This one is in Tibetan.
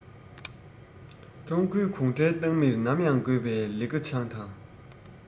ཀྲུང གོའི གུང ཁྲན ཏང མིར ནམ ཡང དགོས པའི ལི ཁེ ཆང དང